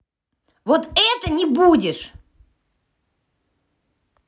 вот это не будешь